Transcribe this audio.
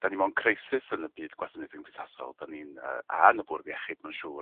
'dan ni mewn crisis yn y byd gwasanaethe cymdeithasol 'dan ni'n yy a yn y Bwrdd Iechyd mae'n siŵr